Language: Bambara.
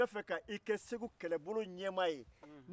n b'a fɛ ka i kɛ segu kɛlɛbolo ɲɛmaa ye